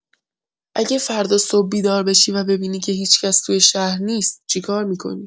اگه فردا صبح بیدار بشی و ببینی که هیچ‌کس توی شهر نیست، چیکار می‌کنی؟